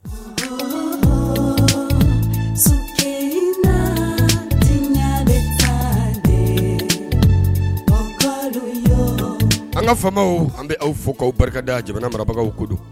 An ka faw an bɛ aw fɔ ka barika da jamana marabagaw ko